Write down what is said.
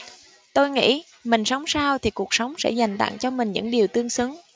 tôi nghĩ mình sống sao thì cuộc sống sẽ dành tặng cho mình những điều tương xứng